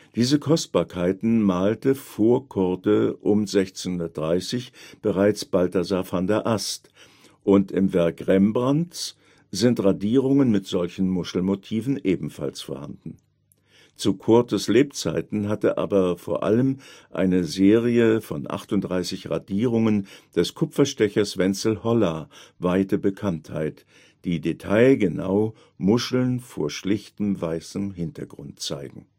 Diese Kostbarkeiten malte vor Coorte um 1630 bereits Balthasar van der Ast und im Werk Rembrandts sind Radierungen mit solchen Muschelmotiven ebenfalls vorhanden. Zu Coortes Lebzeiten hatte aber vor allem eine Serie von 38 Radierungen des Kupferstechers Wenzel Hollar weite Bekanntheit, die detailgenau Muscheln vor schlichtem weißem Hintergrund zeigen